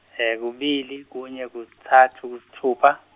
kubili, kunye, kutsatfu, kusitfupha.